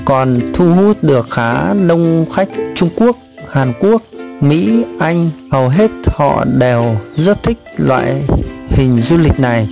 còn thu hút được khá đông khách trung quốc hàn quốc mỹ anh hầu hết họ đều rất thích loại hình dịch vụ này